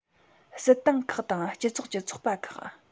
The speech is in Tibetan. སྲིད ཏང ཁག དང སྤྱི ཚོགས ཀྱི ཚོགས པ ཁག